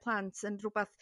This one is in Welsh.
plant yn r'wbath